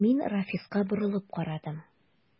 Мин Рафиска борылып карадым.